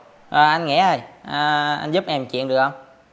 à anh nghĩa ơi à anh giúp em một chuyện được hông